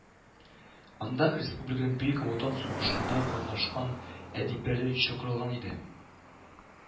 Анда республиканың Бөек Ватан сугышында катнашкан әдипләре чакырылган иде